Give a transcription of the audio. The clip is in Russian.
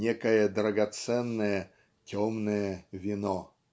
некое драгоценное "темное вино".